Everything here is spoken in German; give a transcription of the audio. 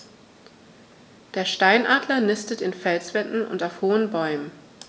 Der Steinadler nistet in Felswänden und auf hohen Bäumen.